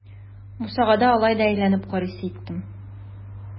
Бусагада алай да әйләнеп карыйсы иттем.